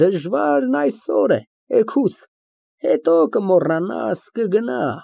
Դժվարն այսօր է, էգուց, հետո կմոռանաս, կգնա։